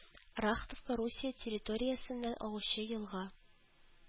Рахтовка Русия территориясеннән агучы елга